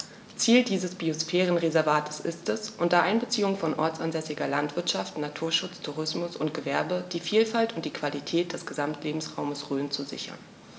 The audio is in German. Ziel dieses Biosphärenreservates ist, unter Einbeziehung von ortsansässiger Landwirtschaft, Naturschutz, Tourismus und Gewerbe die Vielfalt und die Qualität des Gesamtlebensraumes Rhön zu sichern.